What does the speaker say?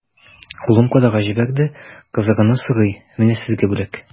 Улым кодага җибәрде, кызыгызны сорый, менә сезгә бүләк.